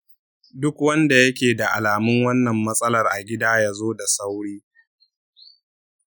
duk wanda yakeda alamun wannan matsalar a gida yazo da sauri.